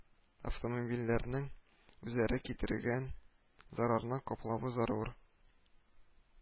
Автомобильләрнең үзләре китергән зарарны каплавы зарур